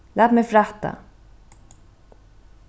læt meg frætta